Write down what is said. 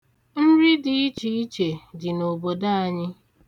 Nri dị ichiiche dị n'obodo anyị.